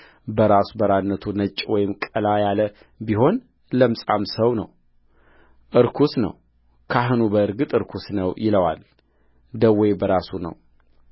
በራሰ በራነቱ ነጭ ወይም ቀላ ያለ ቢሆንለምጻም ሰው ነው ርኩስ ነው ካህኑ በእርግጥ ርኩስ ነው ይለዋል ደዌው በራሱ ነው